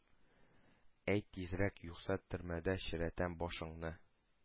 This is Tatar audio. Әйт тизрәк, юкса төрмәдә черетәм башыңны!